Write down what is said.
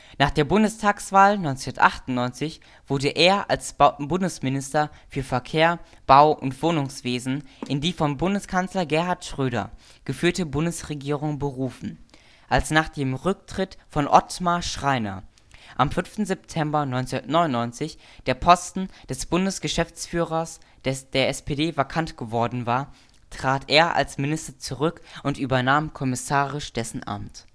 Nach der Bundestagswahl 1998 wurde er als Bundesminister für Verkehr, Bau - und Wohnungswesen in die von Bundeskanzler Gerhard Schröder geführte Bundesregierung berufen. Als nach dem Rücktritt von Ottmar Schreiner am 5. September 1999 der Posten des Bundesgeschäftsführers der SPD vakant geworden war, trat er als Minister zurück und übernahm kommissarisch dessen Amt